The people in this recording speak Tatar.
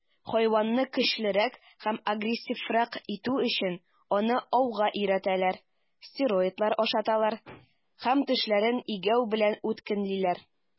Хайванны көчлерәк һәм агрессиврак итү өчен, аны ауга өйрәтәләр, стероидлар ашаталар һәм тешләрен игәү белән үткенлиләр.